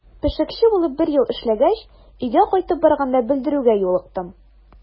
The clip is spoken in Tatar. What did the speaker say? Пешекче булып бер ел эшләгәч, өйгә кайтып барганда белдерүгә юлыктым.